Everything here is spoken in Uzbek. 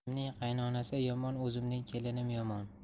qizimning qaynonasi yomon o'zimning kelinim yomon